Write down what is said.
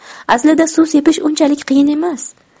aslida suv sepish unchalik qiyin emas